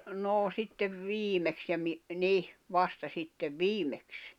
no sitten viimeksi ja - niin vasta sitten viimeksi